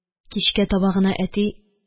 Кичкә таба гына әти: